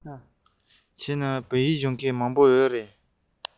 བྱས ན བོད ཡིག སྦྱོང མཁན མང པོ ཡོད པ རེད